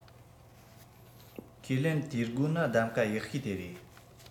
ཁས ལེན ཏིའོ སྒོ ནི གདམ ཁ ཡག ཤོས དེ རེད